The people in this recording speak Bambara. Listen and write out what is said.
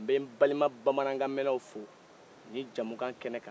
n bɛ n balima bamanankanmɛnanw fo ne jamukan kɛnɛ kan